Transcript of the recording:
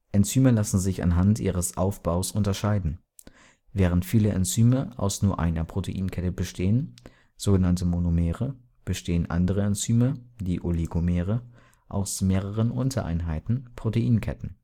Enzyme lassen sich anhand ihres Aufbaus unterscheiden. Während viele Enzyme aus nur einer Proteinkette bestehen, so genannte Monomere, bestehen andere Enzyme, die Oligomere, aus mehreren Untereinheiten/Proteinketten